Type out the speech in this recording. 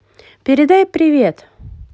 передай привет